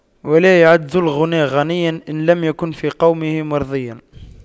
ولا يعد ذو الغنى غنيا إن لم يكن في قومه مرضيا